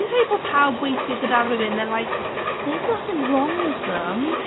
Dwi'n credu bod pawb weithiau gyda rhywun they're like "There's nothing wrong with them."